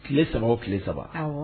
Tile 3 o tile 3.